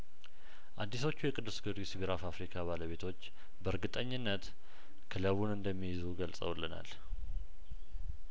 አዲሶቹ የቅዱስ ጊዮርጊስ ቢራ ፋፍሪካ ባለቤቶች በእርግጠኝነት ክለቡን እንደሚይዙ ገልጸውልናል